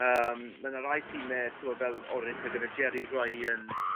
yym ma' 'na rai time t'wo' fel Orica gyda Jerry Ryan